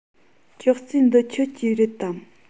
ཅོག ཙེ འདི ཁྱོད ཀྱི རེད དམ